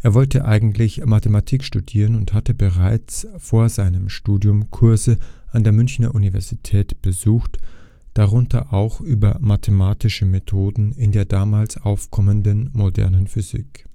wollte eigentlich Mathematik studieren und hatte bereits vor seinem Studium Kurse an der Münchner Universität besucht, darunter auch über mathematische Methoden in der damals aufkommenden modernen Physik